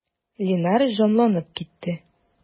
Линар җанланып китте.